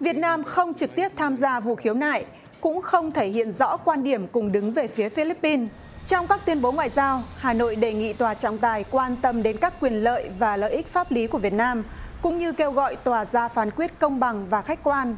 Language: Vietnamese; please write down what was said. việt nam không trực tiếp tham gia vụ khiếu nại cũng không thể hiện rõ quan điểm cùng đứng về phía phi líp pin trong các tuyên bố ngoại giao hà nội đề nghị tòa trọng tài quan tâm đến các quyền lợi và lợi ích pháp lý của việt nam cũng như kêu gọi tòa ra phán quyết công bằng và khách quan